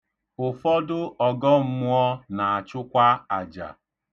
Ụfọdụ ọgọmmụọ na-achụkwa àjà.